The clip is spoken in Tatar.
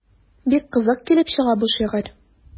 Бик кызык килеп чыга бу шигырь.